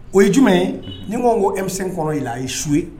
O ye jumɛn ye ni ko n ko emisen kɔnɔ i la a ye su ye